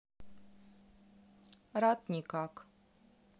рад никак